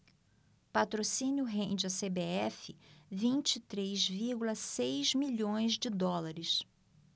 patrocínio rende à cbf vinte e três vírgula seis milhões de dólares